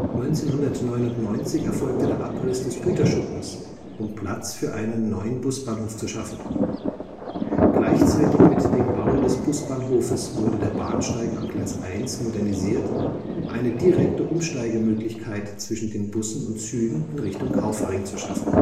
1999 erfolgte der Abriss des Güterschuppens, um Platz für einen neuen Busbahnhof zu schaffen. Gleichzeitig mit dem Bau des Busbahnhofes wurde der Bahnsteig am Gleis 1 modernisiert, um eine direkte Umsteigemöglichkeiten zwischen den Bussen und Zügen in Richtung Kaufering zu schaffen